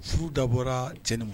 Furu dabɔ cɛn ma